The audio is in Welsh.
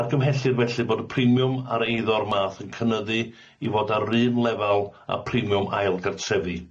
Argymhellid felly bod y primiwm ar eiddo'r math yn cynyddu i fod ar un lefal â primiwm ail gartrefi.